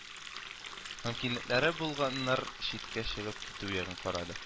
Мөмкинлекләре булганнар читкә чыгып китү ягын карады